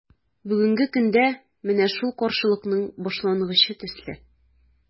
Бүгенге көндә – менә шул каршылыкның башлангычы төсле.